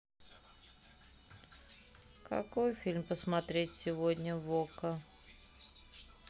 какой фильм посмотреть сегодня в окко